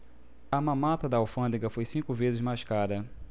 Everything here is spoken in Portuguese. a mamata da alfândega foi cinco vezes mais cara